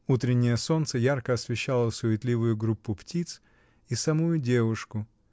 Утреннее солнце ярко освещало суетливую группу птиц и самую девушку.